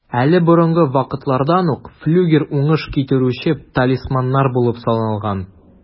Әле борынгы вакытлардан ук флюгер уңыш китерүче талисманнар булып саналган.